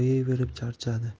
uni koyiyverib charchadi